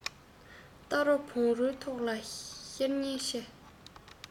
རྟ རོ བོང རོའི ཐོག ལ ཤོར ཉེན ཆེ